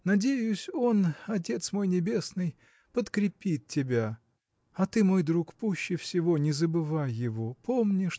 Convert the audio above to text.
Надеюсь, он, отец мой небесный, подкрепит тебя а ты мой друг пуще всего не забывай его помни